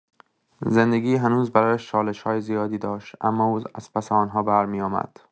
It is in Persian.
زندگی هنوز برایش چالش‌های زیادی داشت، اما او از پس آن‌ها برمی‌آمد.